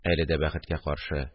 Әле дә бәхеткә каршы